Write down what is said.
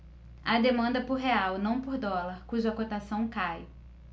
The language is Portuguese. há demanda por real não por dólar cuja cotação cai